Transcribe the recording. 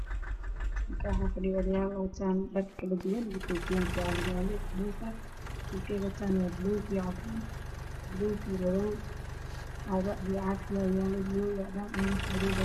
Halkaan waxaa fadhiyo odayaal wato dhar kale duwan ookiyaalo jaale iyo bingi ay, dharka ay wataan waa buluug iyo cadaan, buluug iyo madow, caagado caafi ah oo buluug iyo cadaan ah.